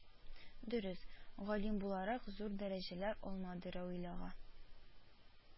Дөрес, галим буларак зур дәрәҗәләр алмады Равил ага